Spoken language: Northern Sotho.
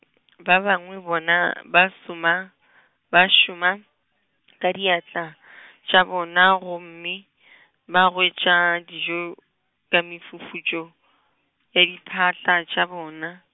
ba bangwe bona ba šoma , ba šoma , ka diatla , tša bona gomme , ba hwetša dijo , ka mefufutšo, ya diphatla tša bona.